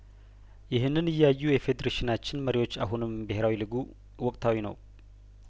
ይህንን እያዩ የፌዴሬሽናችን መሪዎች አሁንም ብሄራዊ ሊጉ ወቅታዊ ነው